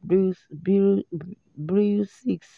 Brexit